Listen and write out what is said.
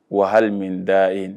Wa hali min da ye